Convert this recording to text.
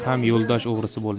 ham yo'ldosh o'g'risi bo'lma